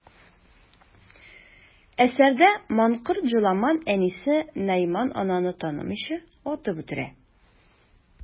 Әсәрдә манкорт Җоламан әнисе Найман ананы танымыйча, атып үтерә.